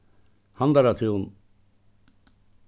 handaratún